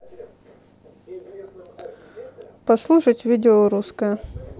послушать видео русское